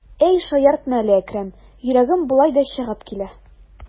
Әй, шаяртма әле, Әкрәм, йөрәгем болай да чыгып килә.